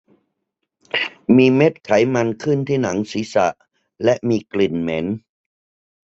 มีเม็ดไขมันขึ้นที่หนังศีรษะและมีกลิ่นเหม็น